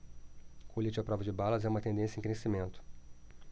colete à prova de balas é uma tendência em crescimento